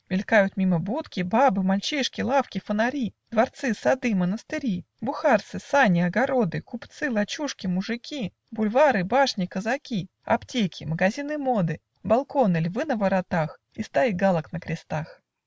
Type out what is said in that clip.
Мелькают мимо будки, бабы, Мальчишки, лавки, фонари, Дворцы, сады, монастыри, Бухарцы, сани, огороды, Купцы, лачужки, мужики, Бульвары, башни, казаки, Аптеки, магазины моды, Балконы, львы на воротах И стаи галок на крестах. .